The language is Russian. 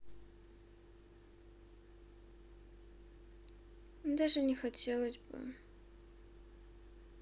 даже не хотелось бы